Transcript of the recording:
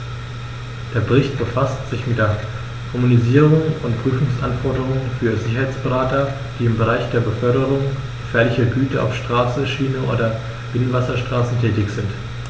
Der Bericht befasst sich mit der Harmonisierung von Prüfungsanforderungen für Sicherheitsberater, die im Bereich der Beförderung gefährlicher Güter auf Straße, Schiene oder Binnenwasserstraße tätig sind.